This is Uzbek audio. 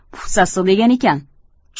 puf sassiq degan ekan